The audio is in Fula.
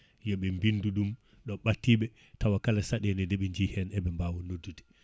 yoɓe bindu ɗum ɗo ɓattiɓe tawa kala saɗele ndeɓe jii hen eɓe mbawa noddude